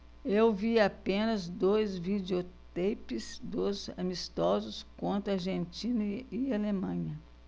eu vi apenas dois videoteipes dos amistosos contra argentina e alemanha